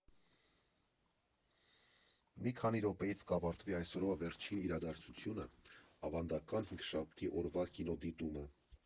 Մի քանի րոպեից կավարտվի այսօրվա վերջին իրադարձությունը՝ ավանդական հինգշաբթի օրվա կինոդիտումը։